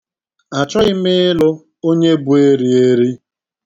Achọghị m ịlụ onye bụ erieri.